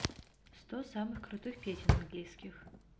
сто самых крутых песен английских